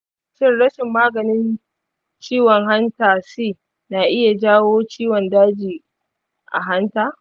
shin rashin maganin ciwon hanta c na iya jawo ciwon daji a hanta?